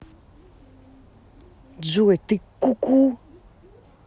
джой ты ку ку